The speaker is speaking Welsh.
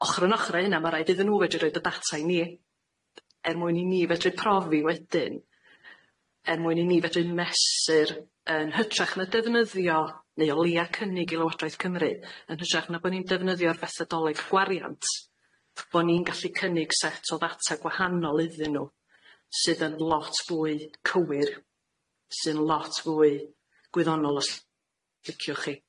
Ochor yn ochor â hynna ma' raid iddyn nw fedru roid y data i ni er mwyn i ni fedru profi wedyn er mwyn i ni fedru mesur yn hytrach na defnyddio, neu o leia cynnig i Lywodraeth Cymru, yn hytrach na bo' ni'n defnyddio'r fathadolig gwariant bo' ni'n gallu cynnig set o ddata gwahanol iddyn nw sydd yn lot fwy cywir sy'n lot fwy gwyddonol os l- liciwch chi.